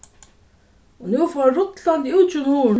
og nú fór hon rullandi út gjøgnum hurðina